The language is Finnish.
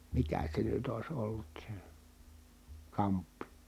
mikä se nyt olisi ollut se kamppi